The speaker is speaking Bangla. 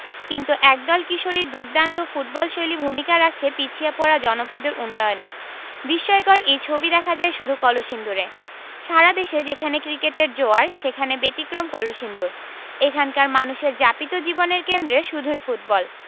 কিন্তু একদল কিশোরীর দুর্দান্ত ফুটবলশৈলী ভূমিকা রাখছে পিছিয়ে পড়া জনপদের উন্নয়নে বিস্ময়কর এই ছবি দেখা যায় শুধু কলসিন্দুরে সারা দেশে যেখানে ক্রিকেটের জোয়ার সেখানে ব্যতিক্রম কলসিন্দুর এখানকার মানুষের যাপিত জীবনের কেন্দ্রে শুধুই ফুটবল